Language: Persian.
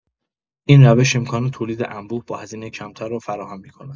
این روش امکان تولید انبوه با هزینه کمتر را فراهم می‌کند.